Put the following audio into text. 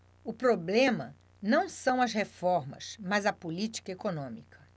o problema não são as reformas mas a política econômica